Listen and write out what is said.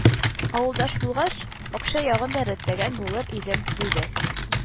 Авылдаш булгач, акча ягын да рәтләгән булыр идем, диде